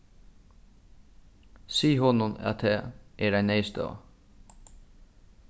sig honum at tað er ein neyðstøða